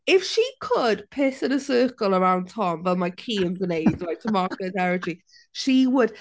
If she could piss in a circle around Tom fel mae ci yn gwneud like tibod mark their territory. She would.